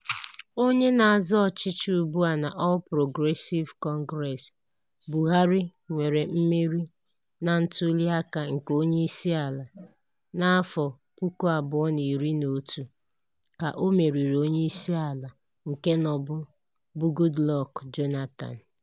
Onye na-azọ ọchịchị ugbu a na All Progressive Congress, Buhari nwere mmeri na ntụliaka nke onye isi ala na 2011 ka o meriri onye isi ala nke nọbu bụ Goodluck Jonathan.